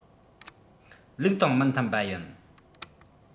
ལུགས དང མི མཐུན པ ཡིན